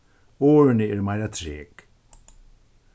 orðini eru meira trek